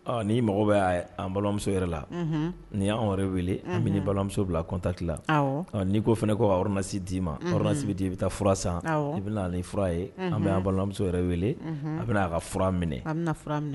Ni' mago bɛ y'a an balimamuso yɛrɛ la ni y'an yɛrɛ weele an bɛ balimamuso bila kɔntati n'i ko fana ko ka yɔrɔrlasi d'i masibi di i bɛ taa f san i bɛ ni fura ye an bɛ anan balimamuso yɛrɛ wele a bɛna a ka fura minɛ